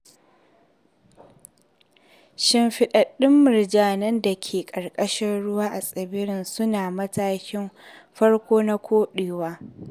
Shimfiɗaɗɗun murjanin da ke ƙarƙashin ruwa a tsibirin su na "Matakin Farko na Koɗewa"